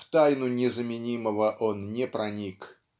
В тайну незаменимого он не проник.